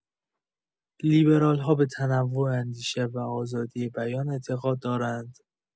لیبرال‌ها به تنوع اندیشه و آزادی بیان اعتقاد دارند.